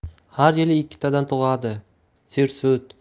har yili ikkitadan tug'adi sersut